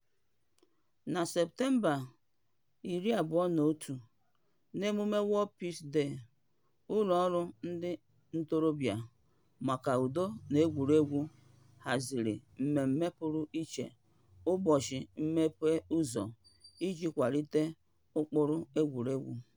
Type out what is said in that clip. Na Septemba 21, n'emume World Peace Day, ụlọọrụ ndị ntorobịa maka Udo na Egwuruegwu haziri mmemme pụrụ iche, ụbọchị Mmepe Ụzọ, iji kwalite ụkpụrụ egwuregwu.